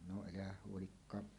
no elähän huolikaan